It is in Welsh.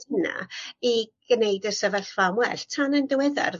hwnna i gneud y sefyllfa'n well. Tan yn diweddar...